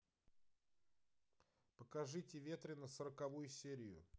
покажите ветренно сороковую серию